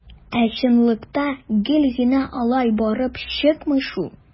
Ә чынлыкта гел генә алай барып чыкмый шул.